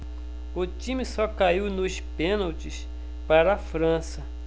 o time só caiu nos pênaltis para a frança